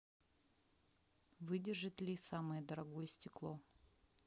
выдержит ли самое дорогое стекло